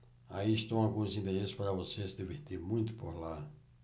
aí estão alguns endereços para você se divertir muito por lá